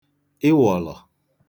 ịwọ̀lọ̀